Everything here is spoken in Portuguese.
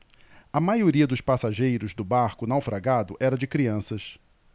a maioria dos passageiros do barco naufragado era de crianças